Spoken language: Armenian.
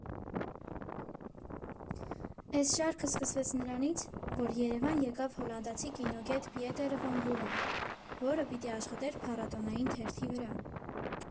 Էս շարքը սկսվեց նրանից, որ Երևան եկավ հոլանդացի կինոգետ Պիտեր վան Բուրենը, որը պիտի աշխատեր փառատոնային թերթի վրա։